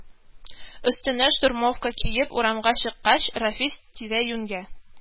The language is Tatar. Өстенә штурмовка киеп урамга чыккач, Рәфис тирә-юньгә